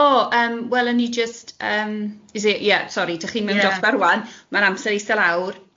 O yym wel o'n i jyst yym is it ie sori, 'dach chi'n mewn dosbarth ŵan, amser eistedd lawr.